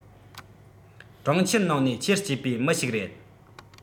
གྲོང ཁྱེར ནང ནས ཆེར སྐྱེས པའི མི ཞིག རེད